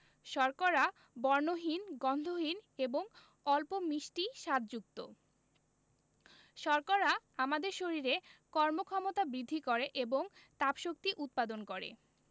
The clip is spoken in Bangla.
শর্করা বর্ণহীন গন্ধহীন এবং অল্প মিষ্টি স্বাদযুক্ত শর্করা আমাদের শরীরে কর্মক্ষমতা বৃদ্ধি করে এবং তাপশক্তি উৎপাদন করে